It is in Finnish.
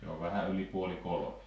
se on vähän yli puoli kolme